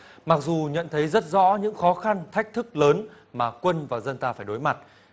mặc dù nhận thấy rất rõ những khó khăn thách thức lớn mà quân và dân ta phải đối mặt